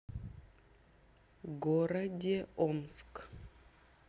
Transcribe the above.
городе омск